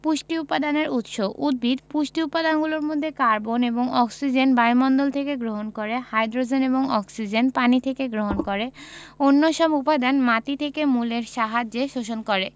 পুষ্টি উপাদানের উৎস উদ্ভিদ পুষ্টি উপাদানগুলোর মধ্যে কার্বন এবং অক্সিজেন বায়ুমণ্ডল থেকে গ্রহণ করে হাই্ড্রোজেন এবং অক্সিজেন পানি থেকে গ্রহণ করে অন্যসব উপাদান মাটি থেকে মূলের সাহায্যে শোষণ করে